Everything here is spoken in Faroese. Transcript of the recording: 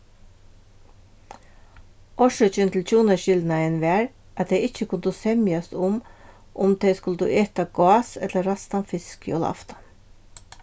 orsøkin til hjúnaskilnaðin var at tey ikki kundu semjast um um tey skuldu eta gás ella ræstan fisk jólaaftan